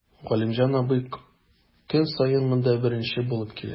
Галимҗан абый көн саен монда беренче булып килә.